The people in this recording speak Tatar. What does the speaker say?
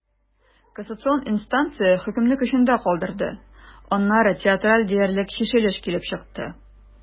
Кассацион инстанция хөкемне көчендә калдырды, аннары театраль диярлек чишелеш килеп чыкты.